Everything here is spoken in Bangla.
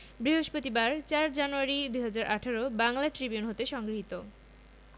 বৃহস্পতিবার ০৪ জানুয়ারি ২০১৮ বাংলা ট্রিবিউন হতে সংগৃহীত